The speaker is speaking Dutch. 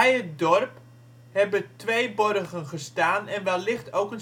het dorp hebben twee borgen gestaan en wellicht ook